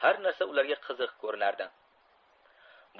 har narsa ularga qiziq ko'rinardi